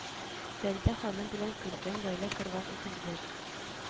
Фәридә ханым белән күркәм гаилә корган, утыз бер